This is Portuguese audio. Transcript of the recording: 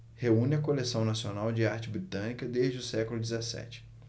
reúne a coleção nacional de arte britânica desde o século dezessete